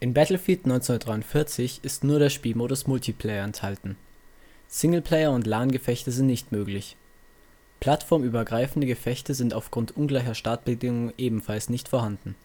In Battlefield 1943 ist nur der Spielmodus „ Multiplayer “enthalten. Singleplayer und LAN-Gefechte sind nicht möglich. Plattformübergreifende Gefechte sind aufgrund ungleicher Startbedingungen ebenfalls nicht vorhanden.